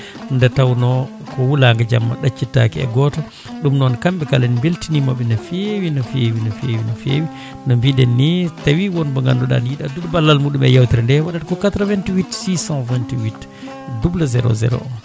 nde tawno ko wuulago jamma ɗaccittake e goto ɗum noon kamɓe kala en beltinimaɓe no feewi no feewi no feewi no fewi no mbiɗen ni tawi wonmo ganduɗa ne yiiɗi addude ballal muɗum e yewtere nde waɗata ko 88 628 00 01